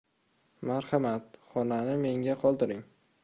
marhamat xonani menga qoldiring